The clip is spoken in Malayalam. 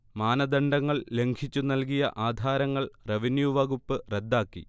മാനദണ്ഡങ്ങൾ ലംഘിച്ചു നൽകിയ ആധാരങ്ങൾ റവന്യൂ വകുപ്പ് റദ്ദാക്കി